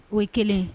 O ye kelen